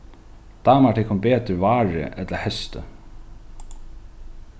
dámar tykkum betur várið ella heystið